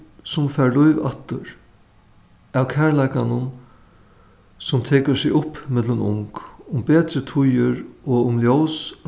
sum fær lív aftur av kærleikanum sum tekur seg upp millum ung um betri tíðir og um ljós